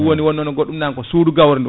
ɗum woni wonnon go ɗuminani ko suudu gawri ndu